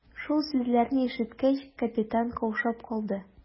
Шул сүзләрне ишеткәч, капитан каушап калды.